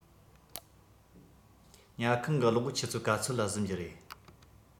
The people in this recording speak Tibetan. ཉལ ཁང གི གློག ཆུ ཚོད ག ཚོད ལ གཟིམ རྒྱུ རེད